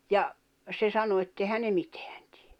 ja se sanoi että eihän ne mitään tee